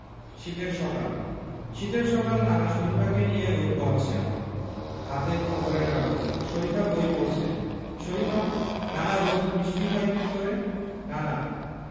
শীতের সকাল শীতের সকাল নানা শরিফাকে নিয়ে রোদ পোহাচ্ছেন হাতে খবরের কাগজ শরিফা বই পড়ছে শরিফা নানা রোদ মিষ্টি হয় কী করে নানা